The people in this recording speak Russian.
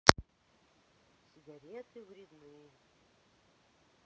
сигареты вредны